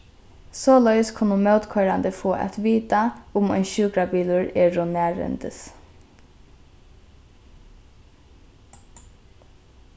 soleiðis kunnu mótkoyrandi fáa at vita um ein sjúkrabilur eru nærhendis